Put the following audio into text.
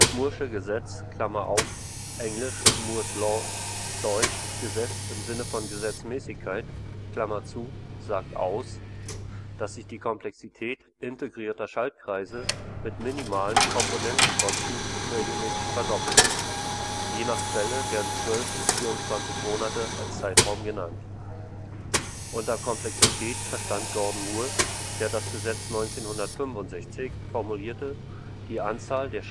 mooresche Gesetz (englisch Moore 's law; deutsch „ Gesetz “im Sinne von „ Gesetzmäßigkeit “) sagt aus, dass sich die Komplexität integrierter Schaltkreise mit minimalen Komponentenkosten regelmäßig verdoppelt; je nach Quelle werden 12 bis 24 Monate als Zeitraum genannt. Unter Komplexität verstand Gordon Moore, der das Gesetz 1965 formulierte, die Anzahl der